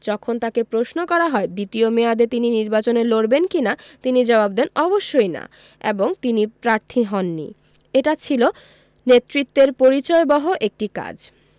যখন তাঁকে প্রশ্ন করা হয় দ্বিতীয় মেয়াদে তিনি নির্বাচনে লড়বেন কি না তিনি জবাব দেন অবশ্যই না এবং তিনি প্রার্থী হননি এটা ছিল নেতৃত্বের পরিচয়বহ একটি কাজ